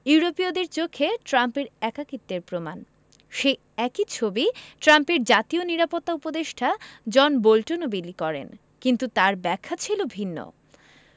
ইউরোপীয়দের চোখে ট্রাম্পের একাকিত্বের প্রমাণ সেই একই ছবি ট্রাম্পের জাতীয় নিরাপত্তা উপদেষ্টা জন বোল্টনও বিলি করেন কিন্তু তাঁর ব্যাখ্যা ছিল ভিন্ন